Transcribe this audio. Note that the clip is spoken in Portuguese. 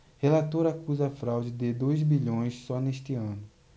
relator acusa fraude de dois bilhões só neste ano